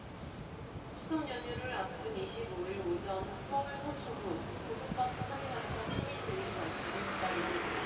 추석연휴를 앞둔 이십 오 일 오전 서울 서초구 고속버스터미널에서 시민들이 버스를 기다리고 있다